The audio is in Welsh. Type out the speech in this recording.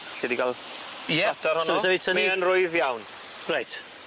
Alli di ga'l... Ie. Mae tn rwydd iawn. Reit.